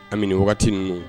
Ami nin wagati ninnu.